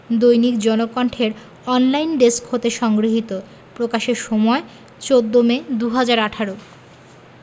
দৈনিক জনকণ্ঠের online desk হতে সংগৃহীত প্রকাশের সময় ১৪ মে ২০১৮